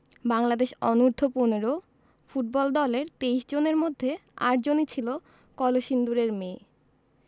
বাংলাদেশ অনূর্ধ্ব ১৫ ফুটবল দলের ২৩ জনের মধ্যে ৮ জনই ছিল কলসিন্দুরের মেয়ে